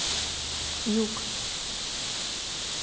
юг